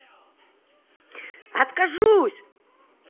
откажусь